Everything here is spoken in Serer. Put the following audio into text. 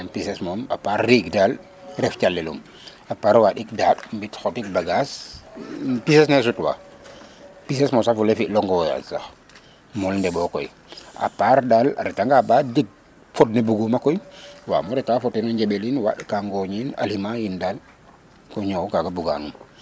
pises moom a riig daal ref calel um à part waɗik daɗ xotik bagage pises ne sut wa pises mosa fule fi long voyage sax mole ɗeɓo koy à part dal a reta nga ba jeg pod ne buguma koy wamo reta fo ten o njeɓelin waaɗ ka ŋoñiin aliment yiin dal fo o ñow kaga buganum